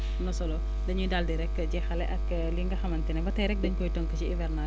am na solo dañuy daal di rek jeexale ak li nga xamante ne ba tey rek dañ koy tënk ci hivernage